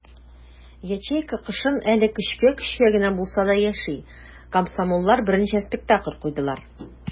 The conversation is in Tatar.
Ячейка кышын әле көчкә-көчкә генә булса да яши - комсомоллар берничә спектакль куйдылар.